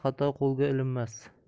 xato qo'lga ilinmas